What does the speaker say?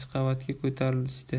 qavatga ko'tarilishdi